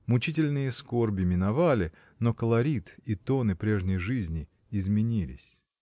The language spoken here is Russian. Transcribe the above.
Мучительные скорби миновали, но колорит и тоны прежней жизни изменились.